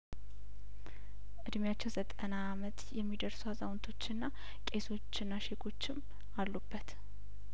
እድሜያቸው ዘጠና አመት የሚደርሱ አዛውንቶችና ቄሶችና ሼኮችም አሉበት